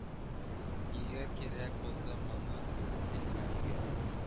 Нигә кирәк булды моны әйтү нигә